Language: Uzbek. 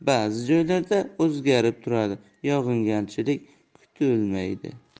bulutli bo'ladi ba'zi joylarda o'zgarib turadi yog'ingarchilik kutilmaydi